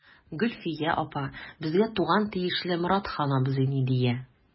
Гөлфия апа, безгә туган тиешле Моратхан абзый ни дия.